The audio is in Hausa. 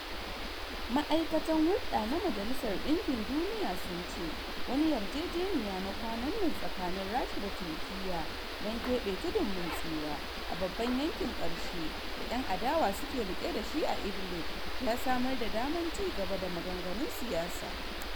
ma’aikatan hulɗa na Majalisar Dinkin Duniya sun ce wani yarjejeniya na kwanan nan tsakanin Rasha da Turkiya dan kebe tudun mun tsira a babban yankin karshe da ‘yan adawa suke rike da shi a Idlib ya samar da daman ci gaba da maganganun siyasa.